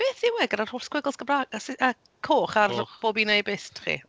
Beth yw e gyda'r holl sgwigls Gymra- a sy yy coch ar... coch. ...bob un e-byst chi?